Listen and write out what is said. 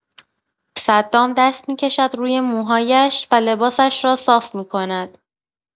صدام دست می‌کشد روی موهایش و لباسش را صاف می‌کند.